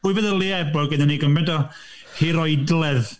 Pwy feddylie bod gennyn ni gymaint o hiroedledd?